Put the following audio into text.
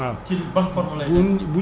léegi nag bu jugee ci nen